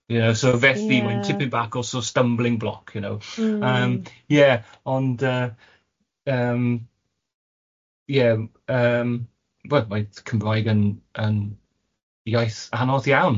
You know so felly... Ie. ...mae'n tipyn bach gors o stumbling block... Mm. ...you know yym ie ond yy yym ie yym wel ma' Cymraeg yn yn iaith anodd iawn.